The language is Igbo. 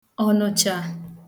Ọ̀nụ̀chà